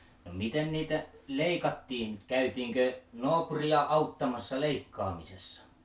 no miten niitä leikattiin käytiinkö naapuria auttamassa leikkaamisessa